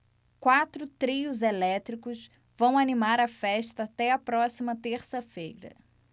quatro trios elétricos vão animar a festa até a próxima terça-feira